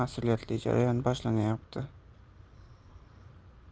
mas'uliyatli jarayon boshlanyapti